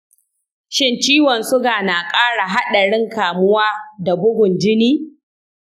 shin ciwon suga na ƙara haɗarin kamuwa da bugun jini?